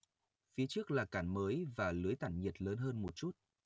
phía trước là cản mới và lưới tản nhiệt lớn hơn một chút